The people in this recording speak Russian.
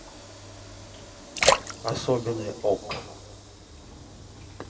особенная okko